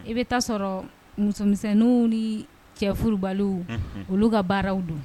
I bɛ taa sɔrɔ musomisɛnsɛnninw ni cɛ kulubaliw olu ka baaraw don